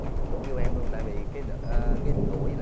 cũng kêu em luôn tại vì cái đợt cái tuổi